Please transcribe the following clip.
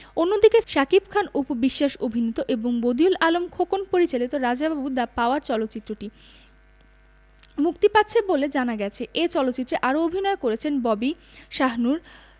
অন্যদিকে শাকিব খান অপু বিশ্বাস অভিনীত এবং বদিউল আলম খোকন পরিচালিত রাজা বাবু দ্যা পাওয়ার চলচ্চিত্রটিও এই মুক্তি পাচ্ছে বলে জানা গেছে এ চলচ্চিত্রে আরও অভিনয় করেছেন ববি শাহনূর